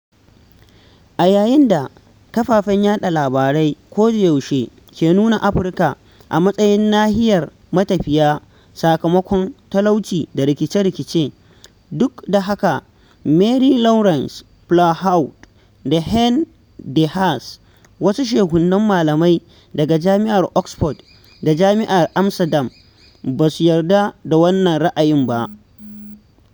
A yayin da kafafen yaɗa labarai ko da yaushe ke nuna Afirka a matsayin nahiyar matafiya sakamakon talauci da rikice-rikice, duk da haka, Marie-Laurence Flahauɗ da Hein De Haas, wasu shehunnan malamai daga Jami'ar Oxford da Jami'ar Amsterdam ba su yarda da wannan ra'ayin ba.